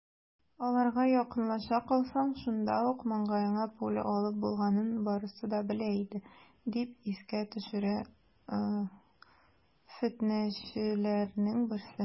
Аларга якынлаша калсаң, шунда ук маңгаеңа пуля алып булганын барысы да белә иде, - дип искә төшерә фетнәчеләрнең берсе.